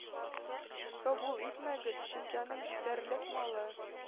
Кабул итмәгез, чөнки аның җитәрлек малы